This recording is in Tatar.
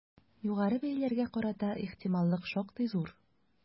Югары бәяләргә карата ихтималлык шактый зур.